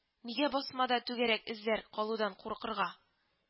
Нигә басмада түгәрәк эзләр калудан куркырга